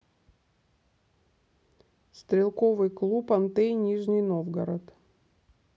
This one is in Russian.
стрелковый клуб антей нижний новгород